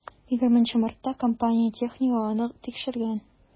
20 мартта компания технигы аны тикшергән.